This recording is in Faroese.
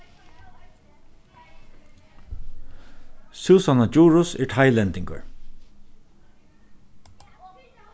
súsanna djurhuus er tailendingur